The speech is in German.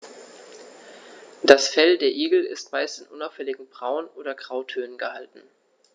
Das Fell der Igel ist meist in unauffälligen Braun- oder Grautönen gehalten.